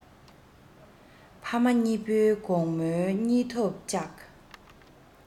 ཕ མ གཉིས པོའི དགོང མོའི གཉིད ཐེབས བཅག